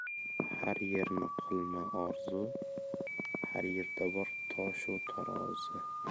har yerni qilma orzu har yerda bor tosh u tarozi